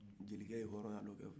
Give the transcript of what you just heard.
jelike ye hɔɔrɔnya